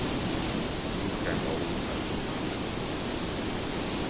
hon turkaði mold av kjálkanum